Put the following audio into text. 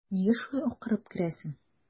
Нигә шулай акырып керәсең?